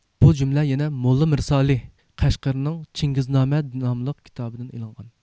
بۇ جۈملە يەنە موللا مىرسالىھ قەشقەرىنىڭ چىڭگىزنامە ناملىق كىتابىدا ئېلىنغان